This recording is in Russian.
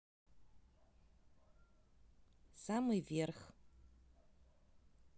самый вверх